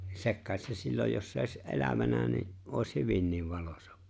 sekin kai se silloin jos se olisi elävänä niin olisi hyvinkin valoisa